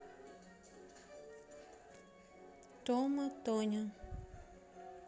тома тоня